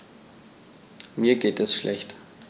Mir geht es schlecht.